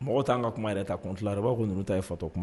Mɔgɔw t'an ka kuma yɛrɛ ta Compte la yɛrɛ u b'a fɔ ko fatɔ kuma